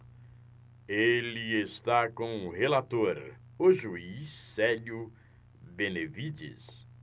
ele está com o relator o juiz célio benevides